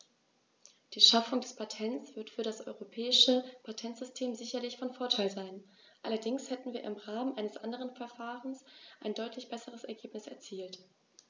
Die Schaffung des Patents wird für das europäische Patentsystem sicherlich von Vorteil sein, allerdings hätten wir im Rahmen eines anderen Verfahrens ein deutlich besseres Ergebnis erzielt.